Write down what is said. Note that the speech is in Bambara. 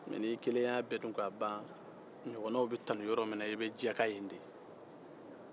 nka n'i kelen y'a dun k'a ban ɲɔgɔnnaw bɛ tanu yɔrɔ min na i be jaka yen de